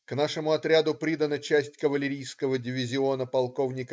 К нашему отряду придана часть кавалерийского дивизиона полк.